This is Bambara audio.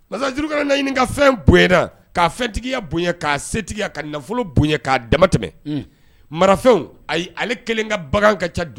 Nazjurukala na ɲini ka fɛn bonyana ka fɛntigiya bo k'a setigiya ka nafolo bonya k'a dama tɛmɛ marafɛnw a y ye ale kɛlen ka bagan ka ca